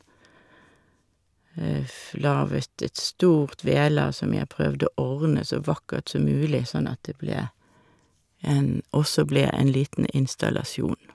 f Laget et stort vedlag som jeg prøvde å ordne så vakkert som mulig, sånn at det ble en også ble en liten installasjon.